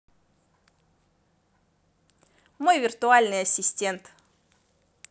ты мой виртуальный ассистент